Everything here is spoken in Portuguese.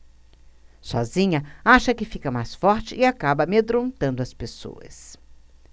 sozinha acha que fica mais forte e acaba amedrontando as pessoas